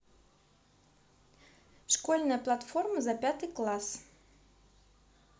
школьная платформа за пятый класс